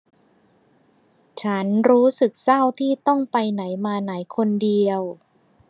ฉันรู้สึกเศร้าที่ต้องไปไหนมาไหนคนเดียว